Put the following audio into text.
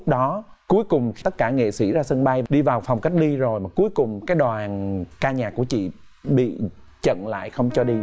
đó cuối cùng tất cả nghệ sĩ ra sân bay đi vào phòng cách ly rồi cuối cùng các đoàn ca nhạc của chị bị chặn lại không cho đi